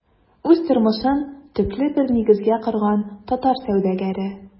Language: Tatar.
Үз тормышын төпле бер нигезгә корган татар сәүдәгәре.